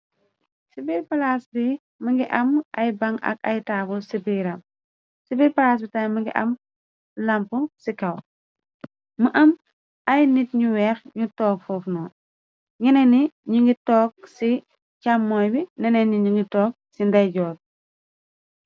Ci birpas bi, mëngi am ay baŋ ak ay taabul cibiram, ci bir palaas bi tay më ngi am lampo ci kaw, më am ay nit ñu weex ñu toog foofno ,nene ni ñu ngi toog ci càmmooy bi, nene ni ñu ngi toog ci ndeyjoor